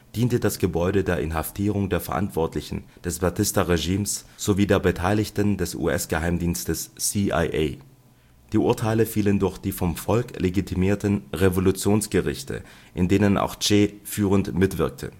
diente das Gebäude der Inhaftierung der Verantwortlichen des Batista-Regimes sowie der Beteiligten des US-Geheimdienstes CIA. Die Urteile fielen durch die vom Volk legitimierten Revolutionsgerichte, in denen auch Che führend mitwirkte